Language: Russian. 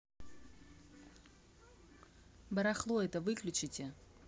барахло это выключите